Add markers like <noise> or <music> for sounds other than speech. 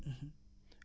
<hesitation> <hesitation>